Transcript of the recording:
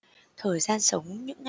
thời gian sống những